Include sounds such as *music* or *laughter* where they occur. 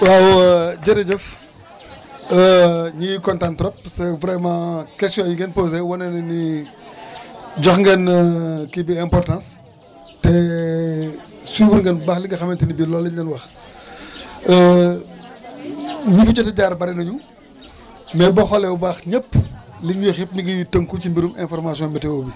waaw *hesitation* jërëjëf *hesitation* ñu ngi kontaan trop parce que vraiment question yi ngeen posées wane na ni *breath* jox ngeen *hesitation* kii bi importance te *hesitation* suivre ngeen bu baax li nga xamante ne bi loolu la ñu leen wax *breath* *hesitation* *crosstalk* ñi fi jot a jaar bëri nañu mais boo xoolee bu baax ñëpp li ñu wax yëpp mi ngi tënku ci mbirum information météo bi